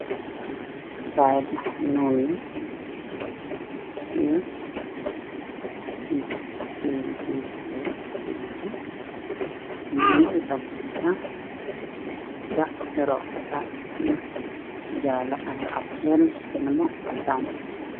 Waa xafaayad cunug ku sawiran yahay